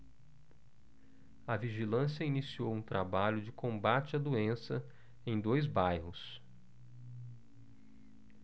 a vigilância iniciou um trabalho de combate à doença em dois bairros